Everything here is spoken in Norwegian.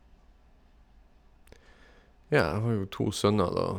Ja, jeg har jo to sønner, da.